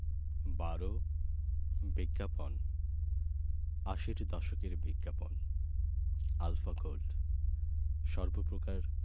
১২ বিজ্ঞাপন আশির দশকের বিজ্ঞাপন আলফা গোল্ড সর্ব প্রকার